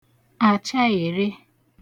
àchaère